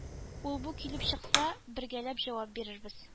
Ул-бу килеп чыкса бергәләп җавап бирербез